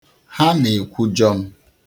Ha na-ekwujọ m